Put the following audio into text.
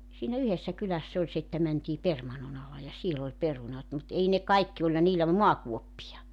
siinä yhdessä kylässä oli se että mentiin permannon alle ja siellä oli perunat mutta ei ne kaikki olihan niillä maakuoppia